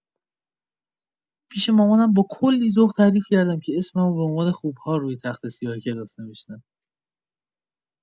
پیش مامانم با کلی ذوق تعریف کردم که اسممو به عنوان خوب‌ها روی تخته‌سیاه کلاس نوشته بودن.